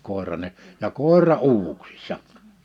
koiran - ja koira uuvuksissa